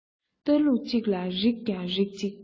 ལྟ ལུགས གཅིག ལ རིགས ཀྱང རིགས གཅིག འདུག